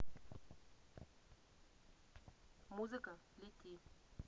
музыка лети